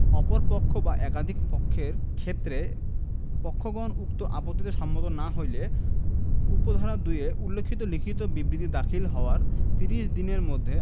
অপর পক্ষ বা একাধিক পক্ষের ক্ষেত্রে পক্ষগণ উক্ত আপত্তিতে সম্মত না হইরে উপ ধারা ২ এ উল্লেখিত লিখিত বিবৃতি দাখিল হওয়ার ত্রিশ দনের মধ্যে